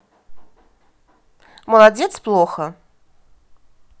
молодец плохо